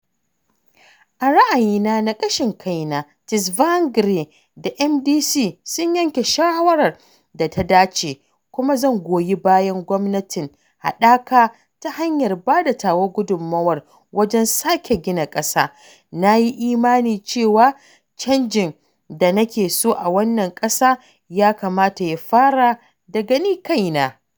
A ra’ayina na ƙashin kaina, Tsvangirai da MDC sun yanke shawarar da ta dace, kuma zan goyi bayan gwamnatin haɗaka ta hanyar bada tawa gudunmawar wajen sake gina ƙasa, nayi imani cewa canjin da nake so a wannan ƙasa ya kamata ya fara daga ni kaina.